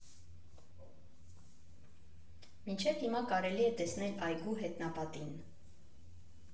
Մինչև հիմա կարելի է տեսնել այգու հետնապատին։